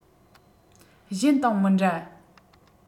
གཞན དང མི འདྲ